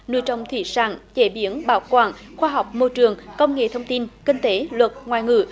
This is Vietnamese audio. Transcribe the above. nuôi trồng thủy sản chế biến bảo quản khoa học môi trường công nghệ thông tin kinh tế luật ngoại ngữ